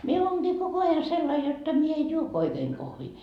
minä olenkin koko ajan sellainen jotta minä en juo oikein kahvia